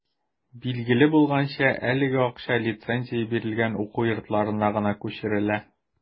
Билгеле булганча, әлеге акча лицензия бирелгән уку йортларына гына күчерелә.